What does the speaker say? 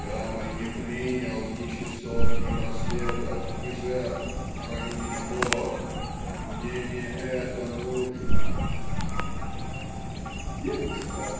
" Я бы не принял ни часов, ни браслетов, ни жертв, храни меня Бог, мне не это нужно". Девушка